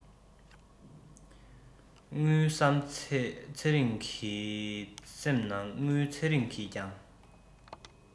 དངུལ བསམ ཚེ རང གི སེམས ནང དངུལ ཚེ རིང གིས ཀྱང